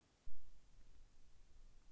какая температура